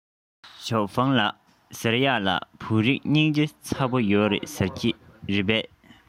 ཞའོ ཧྥུང ལགས ཟེར ཡས ལ བོད རིགས སྙིང རྗེ ཚ པོ ཡོད རེད ཟེར གྱིས རེད པས